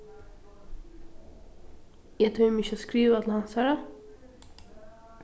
eg tími ikki at skriva til hansara